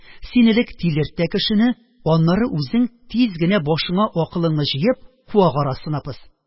– син элек тилерт тә кешене, аннары үзең, тиз генә башыңа акылыңны җыеп, куак арасына пос.